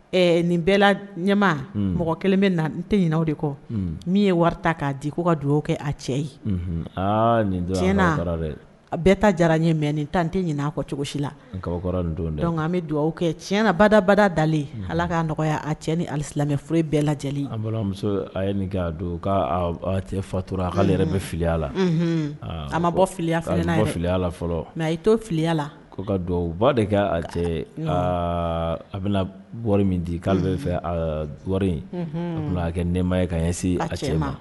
Ɛ nin bɛɛ ɲɛma mɔgɔ kelen bɛ na n tɛ ɲin o de kɔ min ye wari ta k'a di k ko ka dugawu kɛ a cɛ ye aaa nin dɛ bɛɛ ta diyara n ɲɛ mɛ ni tan n tɛ ɲin' kɔ cogosi la kabakɔrɔ don dɛ dɔnkuc an bɛ dugawu kɛ tiɲɛnabadabada dalen ala'a nɔgɔya a cɛ ni ali silamɛmɛ f bɛɛ lajɛ lajɛlenmuso ye nin ga don k' tɛ fatura'ale yɛrɛ bɛ filiya la sama bɔ fili filiya la fɔlɔ mɛ i to filiya la ko ka dugawuba de ka cɛ a bɛna wari min di k'ale bɛ fɛwa in n'a kɛ nɛma ye ka ɲɛ se a cɛ ma